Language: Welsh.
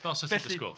Fel 'set ti'n ddisgwyl